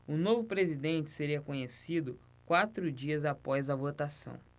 o novo presidente seria conhecido quatro dias após a votação